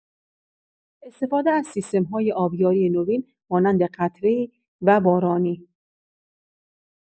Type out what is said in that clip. استفاده از سیستم‌های آبیاری نوین مانند قطره‌ای و بارانی